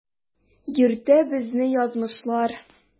Йөртә безне язмышлар.